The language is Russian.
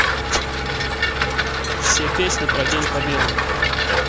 все песни про день победы